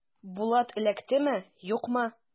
Булат эләктеме, юкмы?